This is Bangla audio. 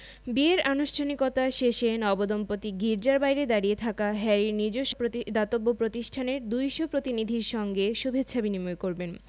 বিয়ের আনুষ্ঠানিকতা শেষে নবদম্পতি গির্জার বাইরে দাঁড়িয়ে থাকা হ্যারির নিজস্ব দাতব্য প্রতিষ্ঠানের ২০০ প্রতিনিধির সঙ্গে শুভেচ্ছা বিনিময় করবেন